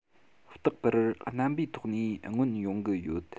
རྟག པར རྣམ པའི ཐོག ནས མངོན ཡོང གི ཡོད